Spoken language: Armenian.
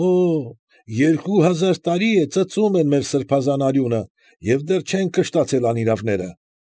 Օօ՜, երկու հազար տարի է ծծում են մեր սրբազան արյունը և դեռ չեն կշտացել անիրավները։